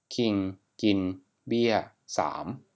คิงกินเบี้ยสาม